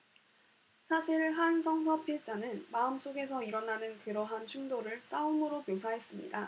사실 한 성서 필자는 마음속에서 일어나는 그러한 충돌을 싸움으로 묘사했습니다